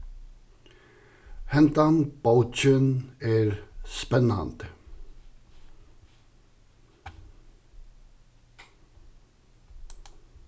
hendan bókin er spennandi